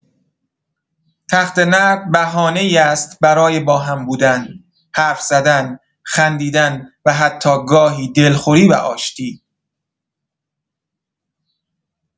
تخته‌نرد بهانه‌ای است برای با هم بودن، حرف‌زدن، خندیدن و حتی گاهی دلخوری و آشتی.